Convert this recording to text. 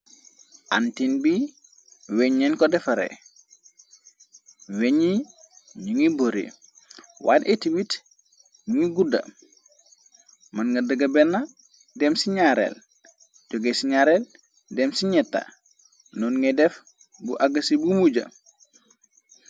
Antin bi weungh lehn ko defareh, weunghñi njung boreh, wanteh eti wit mu nguy gudda, man nga daga benn dem ci ñaareel, joge ci ñaareel dem ci ñetta, nonu nga def bu aga ci bu mujjah.